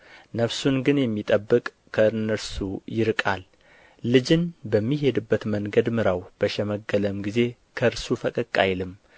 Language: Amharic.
ነፍሱን ግን የሚጠብቅ ከእነርሱ ይርቃል ልጅን በሚሄድበት መንገድ ምራው በሸመገለም ጊዜ ከእርሱ ፈቀቅ አይልም